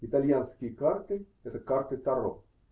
Итальянские карты -- карты Таро.